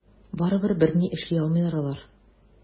Барыбер берни эшли алмыйлар алар.